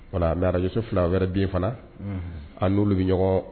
Voila mais radio so 2 wɛrɛ bɛ yen fana. Unhun! An n'olu bɛ ɲɔgɔn